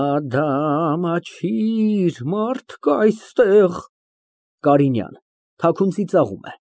Ադա, ամաչիր, մարդ կա այստեղ… ԿԱՐԻՆՅԱՆ ֊ (Թաքուն ծիծաղում է)։